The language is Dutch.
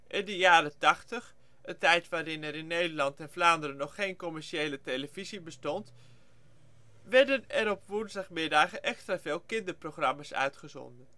de jaren 80, een tijd waarin er in Nederland en Vlaanderen nog geen commerciële televisie bestond, werden er op woensdagmiddagen extra veel kinderprogramma 's uitgezonden